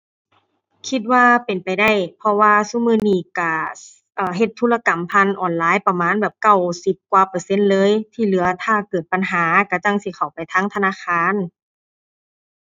คิดว่าเป็นไปได้ เพราะว่าซุมื้อนี้ก็ เอ่อ เฮ็ดธุรกรรมผ่านออนไลน์ประมาณแบบเก้าสิบกว่าเปอร์เซ็นต์เลยที่เหลือถ้าเกิดปัญหาก็จั่งสิเข้าไปทางธนาคาร